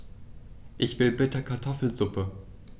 Ich will bitte Kartoffelsuppe.